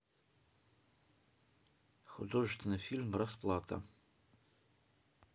художественный фильм расплата